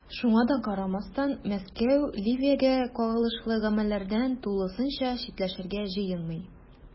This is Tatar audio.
Шуңа да карамастан, Мәскәү Ливиягә кагылышлы гамәлләрдән тулысынча читләшергә җыенмый.